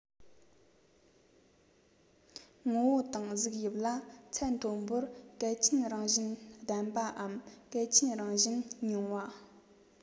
ངོ བོ དང གཟུགས དབྱིབས ལ ཚད མཐོན པོར གལ ཆེན རང བཞིན ལྡན པའམ གལ ཆེན རང བཞིན ཉུང བ